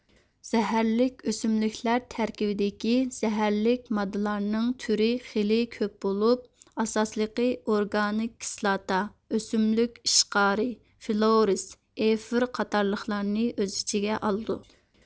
زەھەرلىك ئۆسۈملۈكلەر تەركىبىدىكى زەھەرلىك ماددىلارنىڭ تۈرى خېلى كۆپ بولۇپ ئاساسلىقى ئورگانىك كىسلاتا ئۆسۈملۈك ئىشقارى فلورىس ئېفىر قاتارلىقلارنى ئۆز ئىچىگە ئالىدۇ